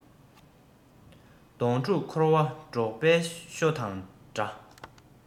གདོང དྲུག འཁོར བ འབྲོག པའི ཤོ དང འདྲ